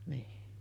niin